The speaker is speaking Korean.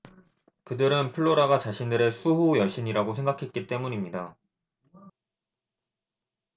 그들은 플로라가 자신들의 수호 여신이라고 생각했기 때문입니다